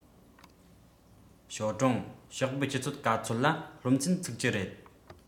ཞའོ ཀྲུང ཞོགས པའི ཆུ ཚོད ག ཚོད ལ སློབ ཚན ཚུགས ཀྱི རེད